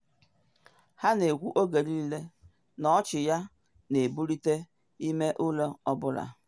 Ha na ekwu oge niile na ọchị ya na ebulite ime ụlọ ọ bụla.”